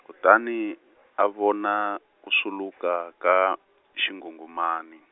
kutani, a vona, ku swuluka ka, xinghunghumani.